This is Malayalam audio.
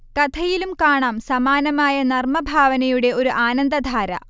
കഥയിലും കാണാം സമാനമായ നർമഭാവനയുടെ ഒരു ആനന്ദധാര